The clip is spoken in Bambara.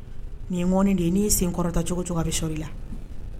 Nin mɔni de ye n'i ye senkɔrɔta cogo cogo a bɛ sɔrɔ i la